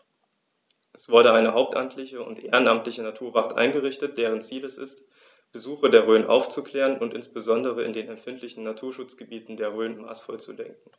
Es wurde eine hauptamtliche und ehrenamtliche Naturwacht eingerichtet, deren Ziel es ist, Besucher der Rhön aufzuklären und insbesondere in den empfindlichen Naturschutzgebieten der Rhön maßvoll zu lenken.